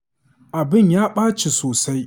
Abin ya ɓaci sosai.